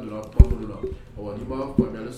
N b'a